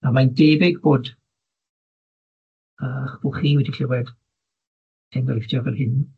A mae'n debyg bod yy 'ych bo' chi wedi clwed enghreifftie fel hyn